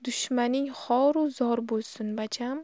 dushmaning xoru zor bo'lsun bacham